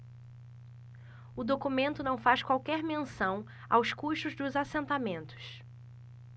o documento não faz qualquer menção aos custos dos assentamentos